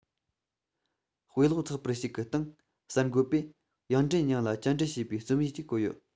དཔེ ཀློག ཚགས པར ཞིག གི སྟེང གསར འགོད པས དབྱང ཀྲིན ཉིང ལ བཅར འདྲི བྱས པའི རྩོམ ཡིག ཅིག བཀོད ཡོད